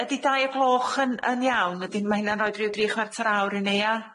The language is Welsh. Be- ydi dau y gloch yn yn iawn ydyn ma' hynna'n roid ryw dri chwarter awr i ni ia?